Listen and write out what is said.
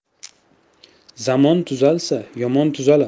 zamon tuzalsa yomon tuzalar